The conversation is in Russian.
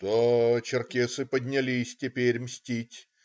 "Да, черкесы поднялись теперь мстить.